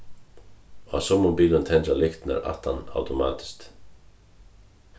á summum bilum tendra lyktirnar aftan automatiskt